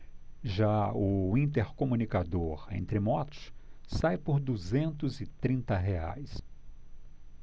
já o intercomunicador entre motos sai por duzentos e trinta reais